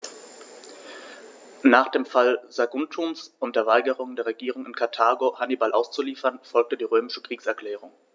Nach dem Fall Saguntums und der Weigerung der Regierung in Karthago, Hannibal auszuliefern, folgte die römische Kriegserklärung.